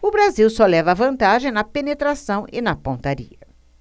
o brasil só leva vantagem na penetração e na pontaria